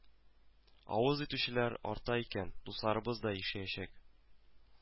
Авыз итүчеләр арта икән, дусларыбыз да ишәячәк